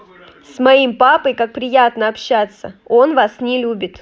с моим папой как приятно общаться он вас не любит